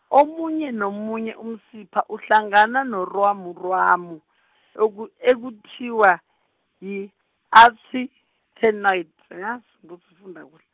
omunye nomunye umsipha uhlangana norwamurwamu , oku- ekuthiwa yi- artytenoid, angazi ngizokufunda ku-.